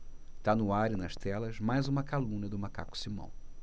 tá no ar e nas telas mais uma calúnia do macaco simão